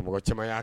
Mɔgɔ